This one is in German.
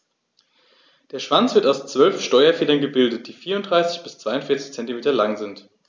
Der Schwanz wird aus 12 Steuerfedern gebildet, die 34 bis 42 cm lang sind.